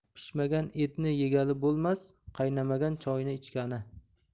pishmagan etni yegali bo'lrnas qaynamagan choyni ichgani